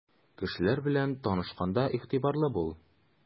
Кешеләр белән танышканда игътибарлы бул.